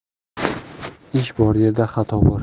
ish bor yerda xato bor